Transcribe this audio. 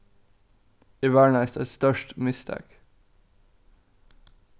eg varnaðist eitt stórt mistak